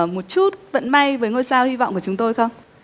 một chút vận may với ngôi sao hy vọng của chúng tôi không